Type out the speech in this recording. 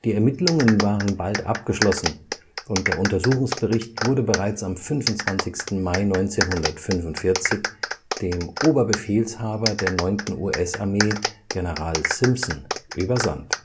Ermittlungen waren bald abgeschlossen und der Untersuchungsbericht wurde bereits am 25. Mai 1945 dem Oberbefehlshaber der 9. US-Armee, General Simpson, übersandt